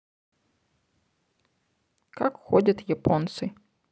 как ходят японцы